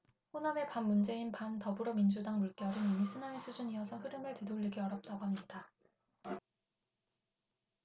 호남의 반문재인 반더불어민주당 물결은 이미 쓰나미 수준이어서 흐름을 되돌리기 어렵다고 합니다